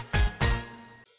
hồng